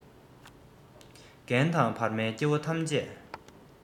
རྒན དང བར མའི སྐྱེ བོ ཐམས ཅད